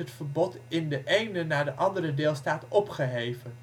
verbod in de ene na de andere deelstaat opgeheven